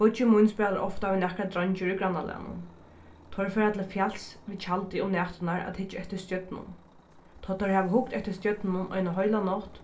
beiggi mín spælir ofta við nakrar dreingir í grannalagnum teir fara til fjals við tjaldi um næturnar at hyggja eftir stjørnum tá teir hava hugt eftir stjørnunum eina heila nátt